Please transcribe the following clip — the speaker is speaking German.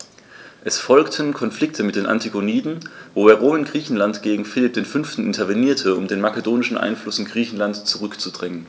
Es folgten Konflikte mit den Antigoniden, wobei Rom in Griechenland gegen Philipp V. intervenierte, um den makedonischen Einfluss in Griechenland zurückzudrängen.